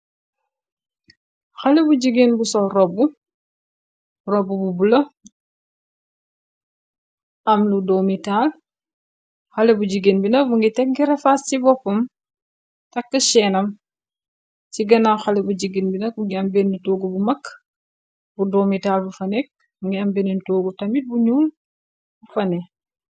Xale bu jigéen bu sol robbu robbu bu bula am lu doo mitaal xale bu jigeen bina bu ngi tegki refaas ci boppam takk sheenam ci ganaaw xale bu jigéen bina bu ngi am benn toog bu mak bu doomitaal bu fa nekk ngi am benneen toogu tamit bu ñuul bu fane.